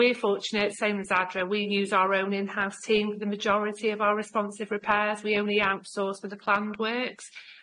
We're fortunate same as Adra, we used our own in-house team for the majority of our responsive repairs we only outsource for the planned works.